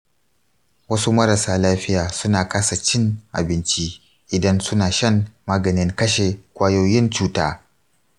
wasu marasa lafiya suna kasa cin abinci idan suna shan maganin kashe kwayoyin cuta.